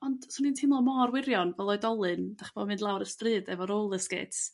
Ond swn i'n t'imlo mor wirion fel oedolyn, dych ch'mo' mynd lawr y stryd efo roler skates.